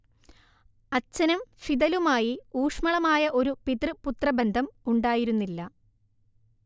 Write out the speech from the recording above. അച്ഛനും ഫിദലുമായി ഊഷ്മളമായ ഒരു പിതൃ പുത്രബന്ധം ഉണ്ടായിരുന്നില്ല